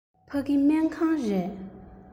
ཕ གི སྨན ཁང རེད